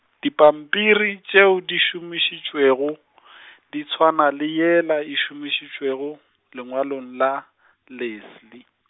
dipampiri tšeo di šomišitšwego , di swana le yela e šomišitšego, lengwalong la, Leslie.